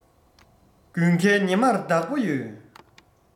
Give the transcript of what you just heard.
དགུན ཁའི ཉི མར བདག པོ ཡོད